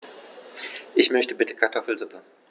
Ich möchte bitte Kartoffelsuppe.